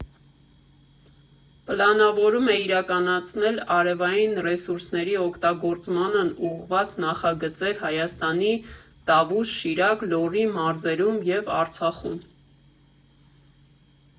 Պլանավորվում է իրականացնել արևային ռեսուրսների օգտագործմանն ուղղված նախագծեր Հայաստանի Տավուշ, Շիրակ, Լոռի մարզերում և Արցախում։